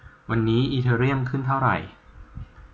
วันนี้อีเธอเรียมขึ้นเท่าไหร่